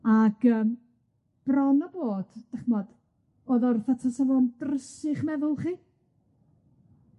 Ac yym, bron a bod, 'dach ch'mod, odd o rwbath bysa fo'n drysych meddwl chi.